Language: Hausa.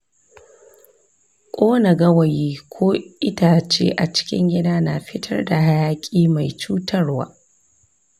kona gawayi ko itace a cikin gida na fitar da hayaki mai cutarwa.